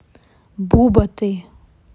буба ты